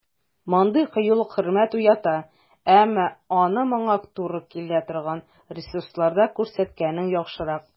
Мондый кыюлык хөрмәт уята, әмма аны моңа туры килә торган ресурсларда күрсәткәнең яхшырак.